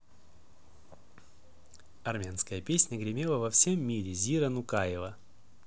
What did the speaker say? армянская песня гремела во всем мире зира нукаева